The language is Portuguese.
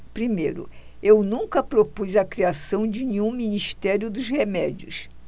primeiro eu nunca propus a criação de nenhum ministério dos remédios